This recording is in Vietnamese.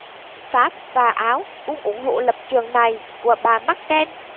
pháp và áo cũng ủng hộ lập trường này của bà merkel